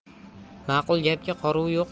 ma'qul gapga qoruv yo'q